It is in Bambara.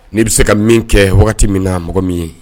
N'i be se ka min kɛ wagati min na mɔgɔ min ye